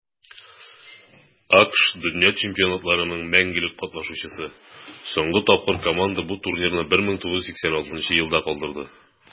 АКШ - дөнья чемпионатларының мәңгелек катнашучысы; соңгы тапкыр команда бу турнирны 1986 елда калдырды.